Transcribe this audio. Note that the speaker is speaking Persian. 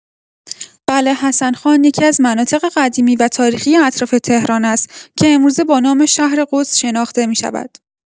قلعه حسن‌خان یکی‌از مناطق قدیمی و تاریخی اطراف تهران است که امروزه با نام شهر قدس شناخته می‌شود.